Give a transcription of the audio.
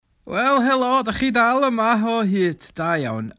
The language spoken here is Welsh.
Wel, helo! Dach chi dal yma o hyd! Da iawn.